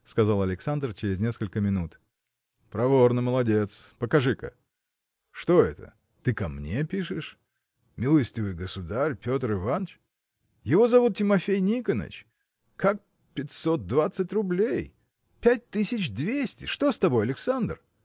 – сказал Александр через несколько минут. – Проворно: молодец! Покажи-ка. Что это? Ты ко мне пишешь. Милостивый государь Петр Иваныч! Его зовут Тимофей Никоныч. Как пятьсот двадцать рублей! пять тысяч двести! Что с тобой, Александр?